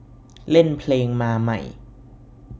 เล่นเพลงมาใหม่